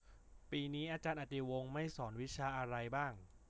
ปีนี้อาารย์อติวงศ์ไม่สอนวิชาอะไรบ้าง